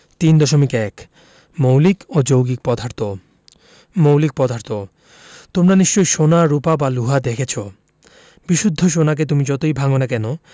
৩.১ মৌলিক ও যৌগিক পদার্থঃ মৌলিক পদার্থ তোমরা নিশ্চয় সোনা রুপা বা লোহা দেখেছ বিশুদ্ধ সোনাকে তুমি যতই ভাঙ না কেন